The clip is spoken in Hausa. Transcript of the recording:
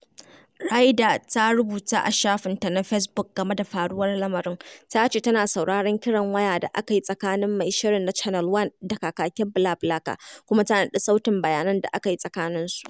Reyder ta rubuta a shafinta na Fesbuk game da faruwar lamarin. Ta ce tana sauraron kiran waya da aka yi tsakanin mai shirin na Channel One da kakakin BlaBlaCar kuma ta naɗi sautin bayanan da aka yi tsakaninsu: